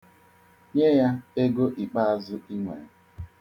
Nye ya ego ikpeazụ i nwere.